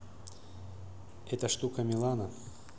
эта штука милана